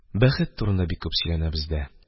Бәхет турында бик күп сөйләнә бездә.